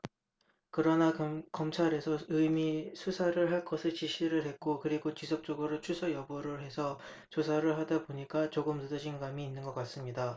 그러나 검찰에서 임의수사를 할 것을 지시를 했고 그리고 지속적으로 출석 여부를 해서 조사를 하다 보니까 조금 늦어진 감이 있는 것 같습니다